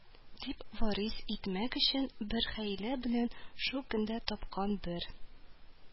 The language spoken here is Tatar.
Дип, варис итмәк өчен, бер хәйлә белән шул көндә тапкан бер